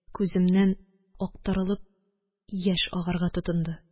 Күземнән актарылып яшь агарга тотынды.